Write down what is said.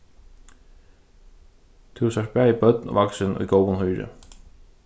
tú sært bæði børn og vaksin í góðum hýri